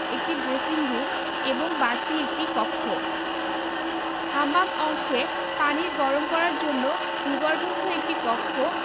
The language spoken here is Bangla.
একটি ড্রেসিং রুম এবং বাড়তি একটি কক্ষ হাম্মাম অংশে পানি গরম করার জন্য ভূগর্ভস্থ একটি কক্ষ